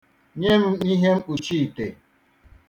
Nye m ihe mkpuchi ite.